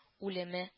Үлеме